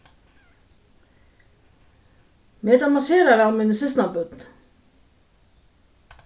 mær dámar sera væl míni systkinabørn